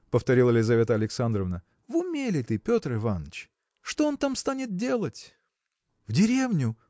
– повторила Лизавета Александровна, – в уме ли ты, Петр Иваныч? Что он там станет делать? – В деревню!